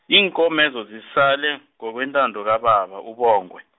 iinkomezo zisale, ngokwentando kababa, uBongwe.